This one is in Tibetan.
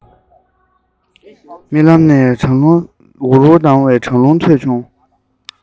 རྨི ལམ དུ འུར འུར ལྡང བའི གྲང རླུང ཐོས བྱུང